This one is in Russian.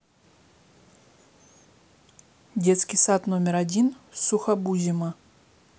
детский сад номер один сухобузимо